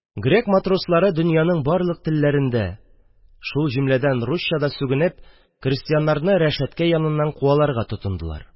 Грек матрослары, донъяның барлык телләрендә, шул исәптән урысча да сүгенеп, крәстиәннәрне рәшәткә яныннан куаларга тотындылар.